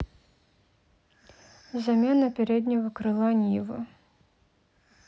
замена переднего крыла нивы